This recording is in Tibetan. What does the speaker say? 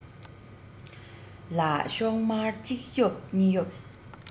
ལ གཤོག དམར གཅིག གཡོབ གཉིས གཡོབ